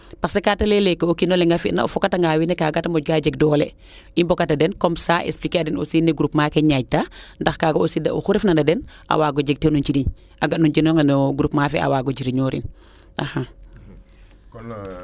parce kaate leyee ke kiino leŋ a fina o foka tanga wiin we kaaga te moƴka jeg doole i mboka ta den comme ca expliquer a den aussi ne groupement ke njaaƴ taa ndax kaaga aussi oxu refna na den a waago jeg teen o njiriñ a ga o njirño nge no groupement fee a waago jirñorin axa